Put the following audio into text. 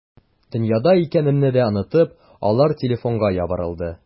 Дөньяда икәнемне дә онытып, алар телефонга ябырылды.